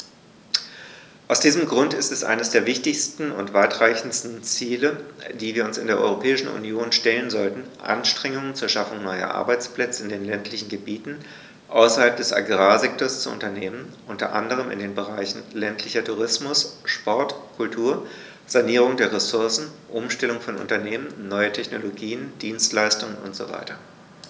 Aus diesem Grund ist es eines der wichtigsten und weitreichendsten Ziele, die wir uns in der Europäischen Union stellen sollten, Anstrengungen zur Schaffung neuer Arbeitsplätze in den ländlichen Gebieten außerhalb des Agrarsektors zu unternehmen, unter anderem in den Bereichen ländlicher Tourismus, Sport, Kultur, Sanierung der Ressourcen, Umstellung von Unternehmen, neue Technologien, Dienstleistungen usw.